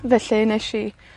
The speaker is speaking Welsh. Felly nesh i